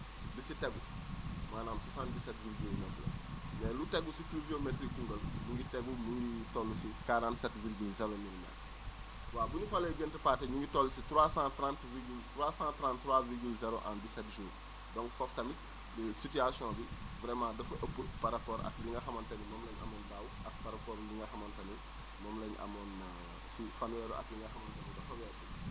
li si tegu maanaam 77 virgule 9 la mais lu tegu si pluviométrie Koungheul mu ngi tegu mu ngi toll si 47 virgule 0 milimètre waaw bu ñu xoolee Gént Pathé ñu ngi toll si 330 virgule 333 virgule 0 en 17 jours donc foofu tamit day situation bi vraiment dafa ëpp par rapport ak li nga xamante ni moom la ñu amoon daaw ak par rapport ak li nga xamante ni moom la ñu am si fanweeri at yi nga xamante ni dañu ko weesu